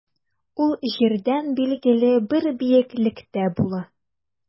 Ул җирдән билгеле бер биеклектә була.